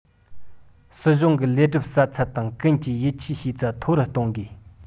སྲིད གཞུང གི ལས སྒྲུབ གསལ ཚད དང ཀུན གྱིས ཡིད ཆེས བྱེད ཚད མཐོ རུ གཏོང དགོས